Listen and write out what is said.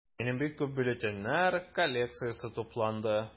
Минем бик зур бюллетеньнәр коллекциясе тупланды.